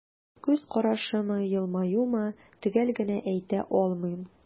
Күз карашымы, елмаюмы – төгәл генә әйтә алмыйм.